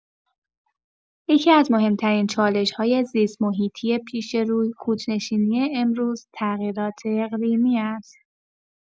یکی‌از مهم‌ترین چالش‌های زیست‌محیطی پیش روی کوچ‌نشینی امروز، تغییرات اقلیمی است.